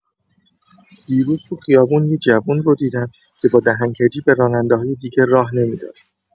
دیروز تو خیابون یه جوون رو دیدم که با دهن‌کجی به راننده‌های دیگه راه نمی‌داد.